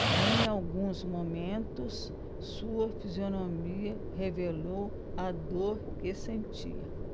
em alguns momentos sua fisionomia revelou a dor que sentia